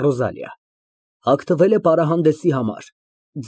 ՌՈԶԱԼԻԱ ֊ (Հագնվել է պարահանդեսի համար։